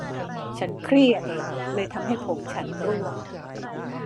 ฉันเครียดเลยทำให้ผมฉันร่วง